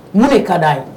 N'o de ye ka d'a ye